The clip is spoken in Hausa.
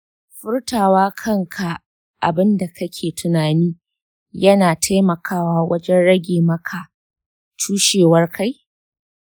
furtawa kan ka abin da kake tunani yana taimakawa wajen rage maka cushewar kai.